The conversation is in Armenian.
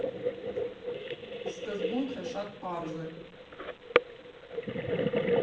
Սկզբունքը շատ պարզ է.